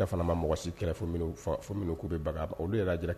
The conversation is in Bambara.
Fana mɔgɔ si kɛrɛfɛ'u bɛ baba olu yɛrɛ jira